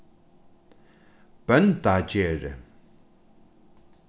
bóndagerði